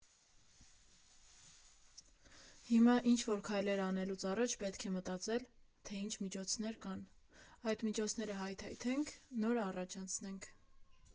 Հիմա ինչ֊որ քայլ անելուց առաջ պետք է մտածել, թե ինչ միջոցներ կան, այդ միջոցները հայթայթենք, նոր առաջ գնանք։